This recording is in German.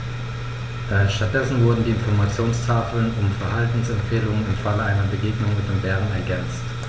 Stattdessen wurden die Informationstafeln um Verhaltensempfehlungen im Falle einer Begegnung mit dem Bären ergänzt.